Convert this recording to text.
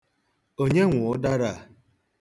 Onye nwe ụdara a?